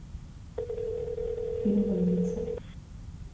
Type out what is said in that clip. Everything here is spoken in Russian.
фильм львица